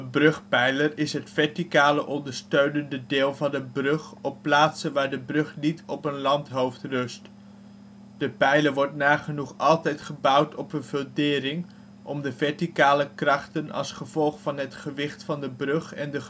brugpijler is het verticale ondersteunende deel van een brug op plaatsen waar de brug niet op een landhoofd rust. De pijler wordt nagenoeg altijd gebouwd op een fundering om de verticale krachten als gevolg van het gewicht van de brug en de gebruikers